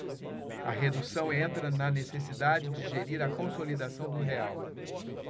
a redução entra na necessidade de gerir a consolidação do real